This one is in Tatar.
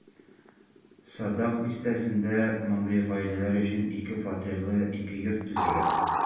Садак бистәсендә мондый гаиләләр өчен ике фатирлы ике йорт төзелә.